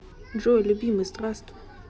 джой любимый здравствуй